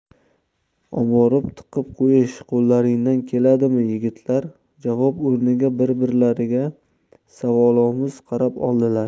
oborib tiqib qo'yish qo'llaringdan keladimi yigitlar javob o'rniga bir birlariga savolomuz qarab oldilar